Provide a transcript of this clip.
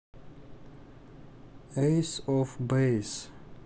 эйс оф бэйс